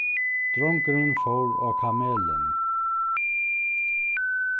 drongurin fór á kamelin